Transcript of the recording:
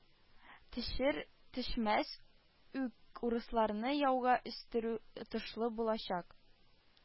Төшер-төшмәс үк урысларны яуга өстерү отышлы булачак